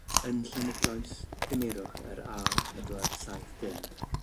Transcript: Yn Llanidloes cymerwch yr a pedwar saith dim